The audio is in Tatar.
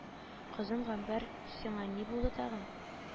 Кызым гамбәр сиңа ни булды тагын